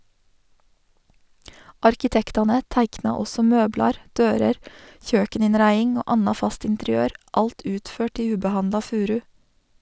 Arkitektane teikna også møblar, dører, kjøkeninnreiing og anna fast interiør, alt utført i ubehandla furu.